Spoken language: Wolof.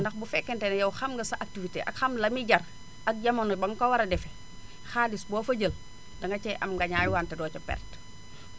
ndax bu fekkente ne yow xam nga sa activité ak xam lan li muy jar ak jamono ba nga ko war a def xaalis boo fa jël danga cey am ngañaay wante doo ca perte